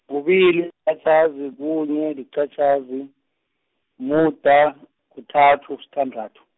kubili, -qatjhazi, kunye, liqatjhazi, umuda , kuthathu, sithandathu.